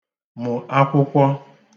mụ̀ akwụkwọ